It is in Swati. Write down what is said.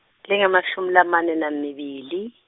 lingemashumi lamane namibili.